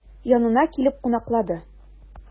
Янына килеп кунаклады.